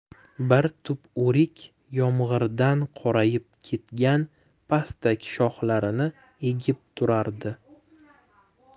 bir tup o'rik yomg'irdan qorayib ketgan pastak shoxlarini egib turardi